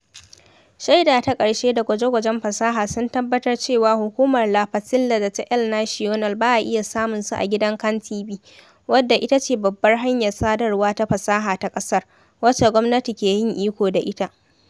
Shaida ta ƙarshe da gwaje-gwajen fasaha sun tabbatar cewa Hukumar La Patilla da ta El Nacional ba a iya samun su a gidan CANTV, wadda ita ce babbar hanyar sadarwa ta fasaha ta ƙasar, wacce gwamnati keyin iko da ita.